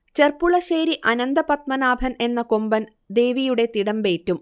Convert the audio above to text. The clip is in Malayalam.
ചെർപ്പുളശ്ശേരി അനന്തപദ്മനാഭൻ എന്ന കൊമ്പൻ ദേവിയുടെ തിടമ്പേറ്റും